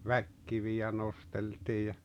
väkikiviä nosteltiin ja